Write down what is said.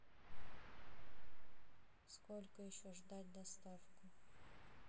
сколько еще ждать доставку